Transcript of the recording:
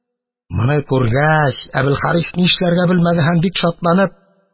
Моны күргәч, Әбелхарис нишләргә белмәде һәм, бик шатланып: